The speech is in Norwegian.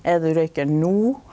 er du røyker no?